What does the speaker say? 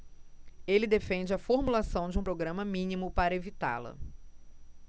ele defende a formulação de um programa mínimo para evitá-la